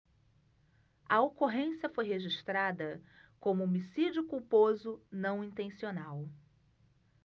a ocorrência foi registrada como homicídio culposo não intencional